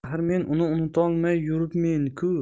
axir men uni unutolmay yuribmen ku